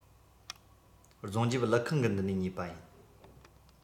རྫོང རྒྱབ ཀླུ ཁང གི མདུན ནས ཉོས པ ཡིན